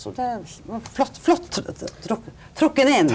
så det flott flott trukket inn.